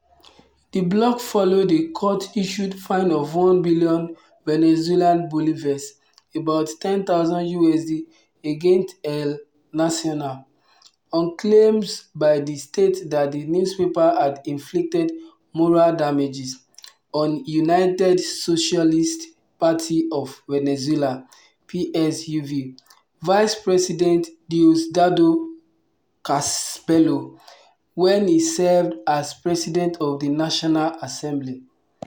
The block followed a court-issued fine of one billion Venezuelan Bolivares (about USD $10,000) against El Nacional, on claims by the state that the newspaper had inflicted “moral damages” on United Socialist Party of Venezuela (PSUV) Vice President Diosdado Cabello, when he served as president of the National Assembly.